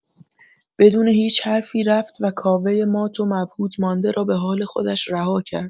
بدون هیچ حرفی رفت و کاوۀ مات و مبهوت مانده را به حال خودش رها کرد.